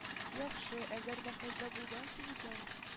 — яхшы, әгәр дә хаҗда булгансыз икән,